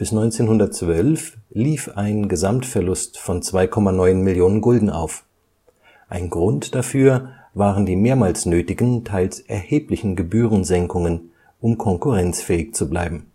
1912 lief ein Gesamtverlust von 2,9 Millionen Gulden auf. Ein Grund dafür waren die mehrmals nötigen, teils erheblichen Gebührensenkungen, um konkurrenzfähig zu bleiben